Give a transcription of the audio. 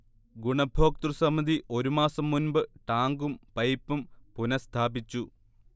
ഗുണഭോക്തൃസമിതി ഒരുമാസം മുൻപ് ടാങ്കും പൈപ്പും പുനഃസ്ഥാപിച്ചു